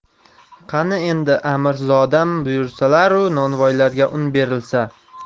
qani endi amirzodam buyursalaru novvoylarga un berilsa